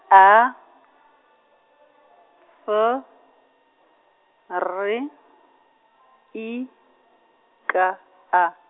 A, F, R, I, K, A.